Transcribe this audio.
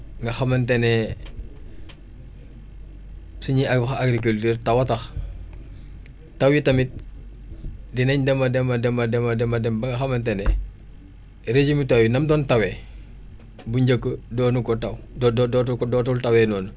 nga xamante ne suñuy wax agriculture taw a tax taw yi tamit dinañ dem a dem a dem a dem ba nga xamantene régime taw yi nam doon tawee bu njëkk doonu ko taw doo dootu ko dootul tawee noonu